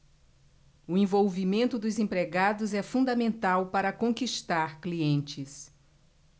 o envolvimento dos empregados é fundamental para conquistar clientes